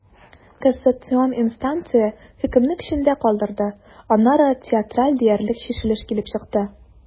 Кассацион инстанция хөкемне көчендә калдырды, аннары театраль диярлек чишелеш килеп чыкты.